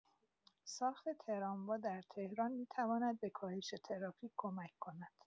ساخت تراموا در تهران می‌تواند به کاهش ترافیک کمک کند.